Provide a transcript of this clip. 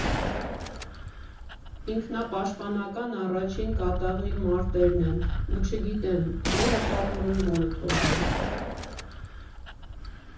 Ինքնապաշտպանական առաջին կատաղի մարտերն են, ու չգիտեմ՝ որը պատմեմ, որը թողնեմ։